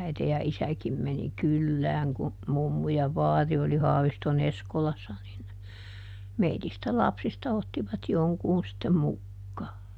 äiti ja isäkin meni kylään kun mummu ja vaari oli Haaviston Eskolassa niin meistä lapsista ottivat jonkun sitten mukaan